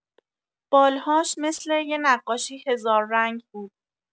بال‌هاش مثل یه نقاشی هزار رنگ بود.